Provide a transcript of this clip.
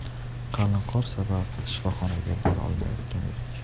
qalin qor sabab shifoxonaga bora olmayotgan edi